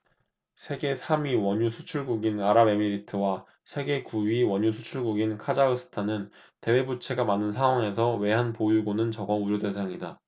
세계 삼 위 원유수출국인 아랍에미리트와 세계 구 위 원유수출국인 카자흐스탄은 대외부채가 많은 상황에서 외환보유고는 적어 우려대상이다